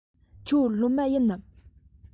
ཁྱོད སློབ མ ཡིན ནམ